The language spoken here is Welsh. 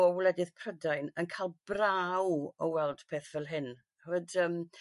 o wledydd Prydain yn ca'l braw o weld peth fel hyn ch'mod yym